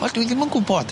Wel dwi ddim yn gwbod.